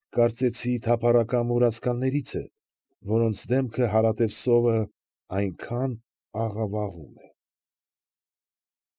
Կարծեցի թափառական մուրացկաններից է, որոնց դեմքը հարատև սովը այնքան աղավաղում է։